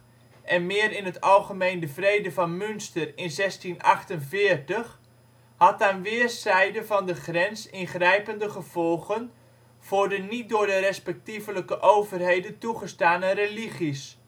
en meer in het algemeen de Vrede van Münster in 1648, had aan weerszijden van de grens ingrijpende gevolgen voor de niet door de respectievelijke overheden toegestane religies